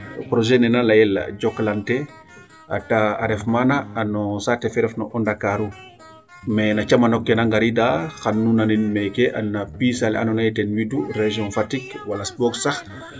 projet ne na leayel Jokalante a ref maana no saate fe refna o Ndakaaru. Mais na camono ke naa ngariida xan nu nanin meeke na piis ale andoona ye ten widu région Fatick wala sax